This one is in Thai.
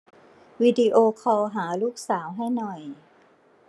วิดีโอคอลหาลูกสาวให้หน่อย